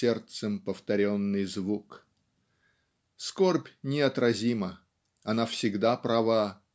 сердцем повторенный звук. Скорбь неотразима. Она всегда права.